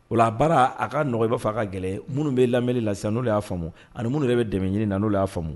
O la baara a ka nɔgɔn komi n'a fɔ a ka gɛlɛn, minnu bɛ lamɛnni la sisan n'olu y'a faamu ani minnu yɛrɛ bɛ dɛmɛ ɲini na n'o y'a faamu